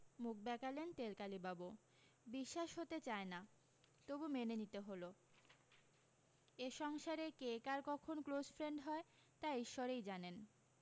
মুখ বেঁকালেন তেলকালিবাবু বিশ্বাস হতে চায় না তবু মেনে নিতে হলো এ সংসারে কে কার কখন ক্লোজ ফ্রেন্ড হয় তা ঈশ্বরেই জানেন